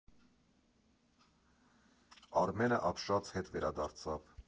Արմենը ապշած հետ վերադարձավ։